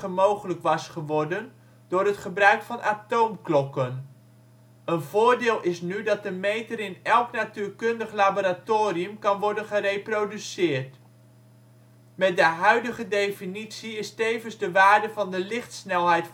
mogelijk was geworden door het gebruik van atoomklokken. Een voordeel is nu dat de meter in elk natuurkundig laboratorium kan worden gereproduceerd. Met de huidige definitie is tevens de waarde van de lichtsnelheid vastgelegd